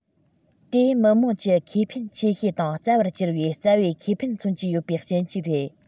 དེས མི དམངས ཀྱི ཁེ ཕན ཆེ ཤོས དང རྩ བར གྱུར པའི རྩ བའི ཁེ ཕན མཚོན གྱི ཡོད པའི རྐྱེན གྱིས རེད